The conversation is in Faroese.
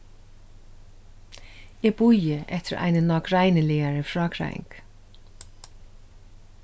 eg bíði eftir eini nágreiniligari frágreiðing